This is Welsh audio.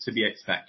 to be expected